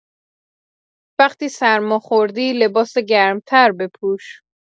وقتی سرما خوردی لباس گرم‌تر بپوش